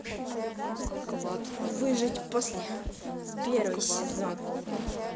выжить после первый сезон